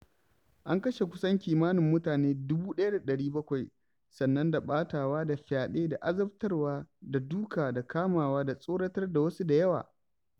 An kashe kusan kimanin mutane 1,700 sannan da ɓatarwa da fyaɗe da azabtarwa da duka da kamawa da tsoratar da wasu da yawa.